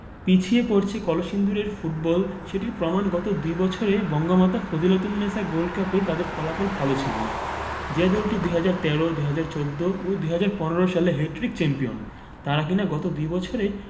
পিছিয়ে পড়ছে কলসিন্দুরের ফুটবল সেটির প্রমাণ গত দুই বছরে বঙ্গমাতা ফজিলাতুন্নেছা গোল্ড কাপে তাদের ফলাফল ভালো ছিল না যে দলটি ২০১৩ ২০১৪ ও ২০১৫ সালে হ্যাটট্রিক চ্যাম্পিয়ন তারা কিনা গত দুই বছরে